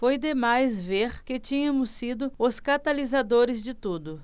foi demais ver que tínhamos sido os catalisadores de tudo